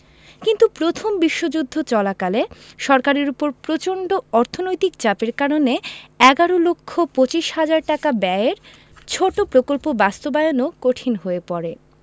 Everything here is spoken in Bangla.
কিন্তু প্রথম বিশ্বযুদ্ধ চলাকালে সরকারের ওপর প্রচন্ড অর্থনৈতিক চাপের কারণে এগারো লক্ষ পচিশ হাজার টাকা ব্যয়ের ছোট প্রকল্প বাস্তবায়নও কঠিন হয়ে পড়ে